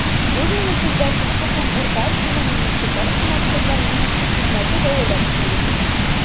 Бүгенге көндә кече һәм урта звено муниципаль хезмәткәрләренең хезмәте бәяләп бетергесез.